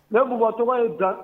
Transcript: Ne bu tɔgɔ ye da